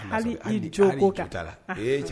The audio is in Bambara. Hali i jo ko t'a la, heeyi.